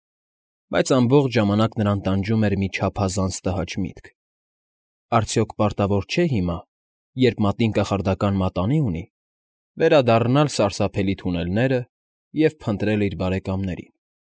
Բայց ամբողջ ժամանակ նրան տանջում էր մի չափազանց տհաճ միտք. արդյոք պարտավոր չէ՞ հիմա, երբ մատին կախարդական մատանի ունի, վերադառնալ սարսափելի թունելները և փնտրել իր բարեկամներին։